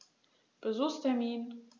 Besuchstermin